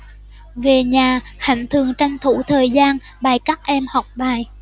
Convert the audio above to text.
về nhà hạnh thường tranh thủ thời gian bày các em học bài